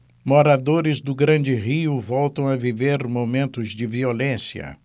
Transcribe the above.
moradores do grande rio voltam a viver momentos de violência